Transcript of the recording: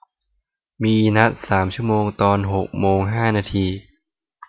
มีนัดสามชั่วโมงตอนหกโมงห้านาที